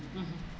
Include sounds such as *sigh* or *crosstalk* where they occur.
*hesitation* *hesitation*